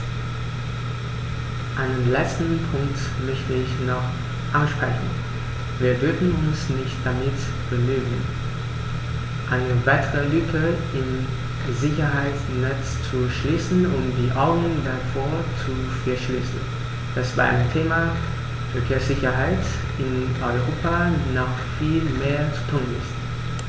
Einen letzten Punkt möchte ich noch ansprechen: Wir dürfen uns nicht damit begnügen, eine weitere Lücke im Sicherheitsnetz zu schließen und die Augen davor zu verschließen, dass beim Thema Verkehrssicherheit in Europa noch viel mehr zu tun ist.